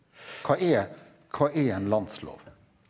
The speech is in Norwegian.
hva er hva er en landslov?